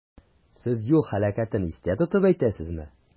Сез юл һәлакәтен истә тотып әйтәсезме?